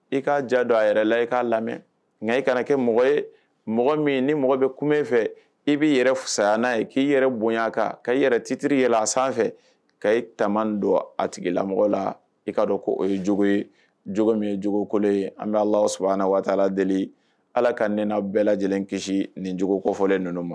I k'a ja don a yɛrɛ la i k'a lamɛn nka i kana kɛ mɔgɔ ye mɔgɔ min ni mɔgɔ bɛ kun in fɛ i bɛi yɛrɛ fisa sayaya n'a ye k'i yɛrɛ bonya kan ka i yɛrɛ titiriri ye a sanfɛ ka ye ta don a tigilamɔgɔ la i kaa dɔn o ye cogo ye min ye cogokolo ye an bɛ s waatila deli ala ka n bɛɛ lajɛlen kisi nin jo kɔfɔlen ninnu ma